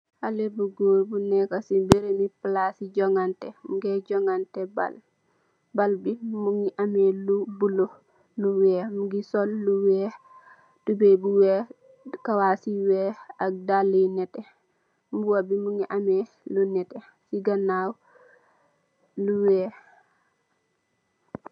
Xalèh bu gór bu nekka ci barabi palasi jongateh, mugèè jongateh bal. Bal bi mugii ameh lu bula, lu wèèx mugii sol lu wèèx tubay bu wèèx, kawas yu wèèx ak dalla yu netteh. Mbuba bi mugii ameh lu netteh ci ganaw lu wèèx.